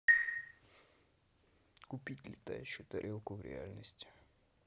купить летающую тарелку в реальности